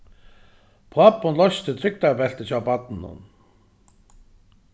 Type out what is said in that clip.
pápin loysti trygdarbeltið hjá barninum